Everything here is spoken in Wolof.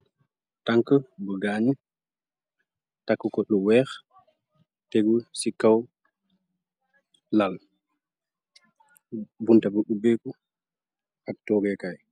Tank bu gaañyu. Takkko lu weex. Teggu ci kaw lal. Bunté bu ubbéeku ak toogékaay.